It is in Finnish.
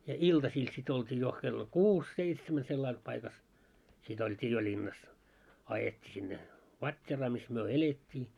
ja iltasilla sitten oltiin jo kello kuusi seitsemän sillä lailla paikassa sitten oltiin jo linnassa ajettiin sinne vatteeraan missä me elettiin